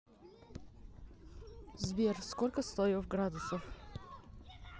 сбер сколько слоев градусов